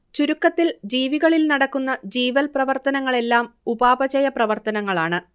ചുരുക്കത്തിൽ ജീവികളിൽ നടക്കുന്ന ജീവൽ പ്രവർത്തനങ്ങളെല്ലാം ഉപാപചയ പ്രവർത്തനങ്ങളാണ്